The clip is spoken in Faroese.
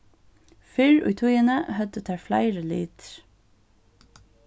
fyrr í tíðini høvdu teir fleiri litir